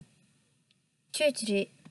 ཟ ཀི རེད